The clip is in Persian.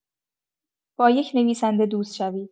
با یک نویسنده دوست شوید!